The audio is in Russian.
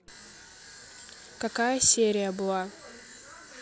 какая серия была